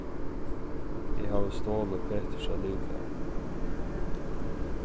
eg havi stolið petursa lyklar